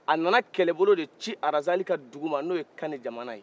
a na na kɛlɛbolo de ci razali ka dugu man n'o ye kani jamana